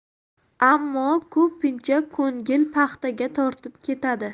ammo ko'pincha ko'ngil paxtaga tortib ketadi